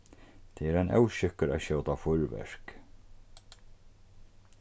tað er ein óskikkur at skjóta fýrverk